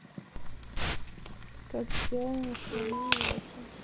как сделана страна европы